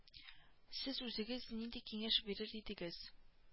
Сез үзегез нинди киңәш бирер идегез